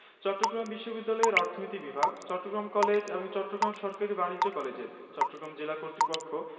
এবং আপনাদের আলোচনা ফলপ্রসূ হোক এ কামনা করি ধন্যবাদ এ এম জহিরুদ্দিন খান সভাপতি অভ্যর্থনা পরিষদ